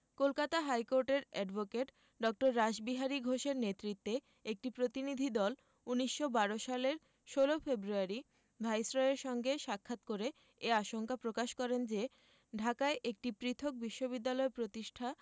কলকাতা হাইকোর্টের advocate Dr. Rashbehari ঘোষের নেতৃত্বে একটি প্রতিনিধিদল ১৯১২ সালের ১৬ ফেব্রুয়ারি ভাইসরয়ের সঙ্গে সাক্ষাৎ করে এ আশঙ্কা প্রকাশ করেন যে ঢাকায় একটি পৃথক বিশ্ববিদ্যালয় প্রতিষ্ঠা